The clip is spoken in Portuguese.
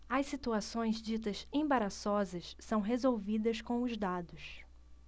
as situações ditas embaraçosas são resolvidas com os dados